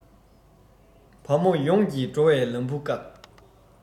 བ མོ ཡོངས ཀྱི འགྲོ བའི ལམ བུ བཀག